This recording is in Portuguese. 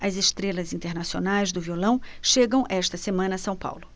as estrelas internacionais do violão chegam esta semana a são paulo